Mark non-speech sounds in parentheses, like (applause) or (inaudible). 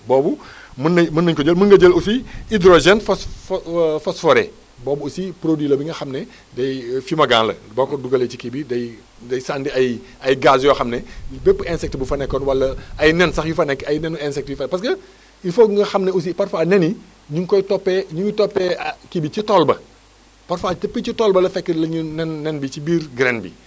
boobu (breath) mën nañu mën nañu ko jël mën nga jël aussi (breath) hydrogène post (hesitation) phosphoré boobu aussi produit la bi nga xam ne day (hesitation) fumagant la boo ko dugalee ci kii bi day day sànni ay ay gaz yoo xam ne (breath) bépp insecte bu fa nekkoon wala ay nen sax yu fa nekk ay nenu insecte yu fa parce que il faut nga xam ne aussi parfois nen yi ñu ngi koy toppee ni ñuy toppee (hesitation) kii bi ci tool ba parfois ci tool ba la fekkee ñu nen nen bi ci biir graine bi